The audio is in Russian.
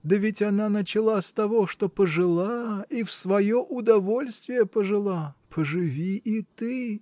Да ведь она начала с того, что пожила, и в свое удовольствие пожила поживи и ты.